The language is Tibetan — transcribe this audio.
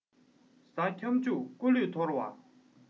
གཟའ ཁྱབ འཇུག སྐུ ལུས ཐོར བ